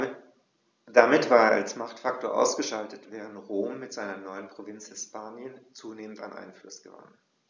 Damit war es als Machtfaktor ausgeschaltet, während Rom mit seiner neuen Provinz Hispanien zunehmend an Einfluss gewann.